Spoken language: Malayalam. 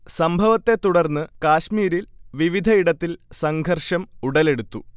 സംഭവത്തെ തുർന്ന് കാശ്മീരിൽ വിവിധ ഇടത്തിൽ സംഘർഷം ഉടലെടുത്തു